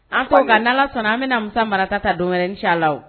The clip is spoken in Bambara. An ko nka ala sɔnna an bɛna masasa marakata ka don wɛrɛci la